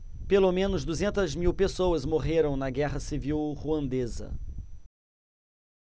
pelo menos duzentas mil pessoas morreram na guerra civil ruandesa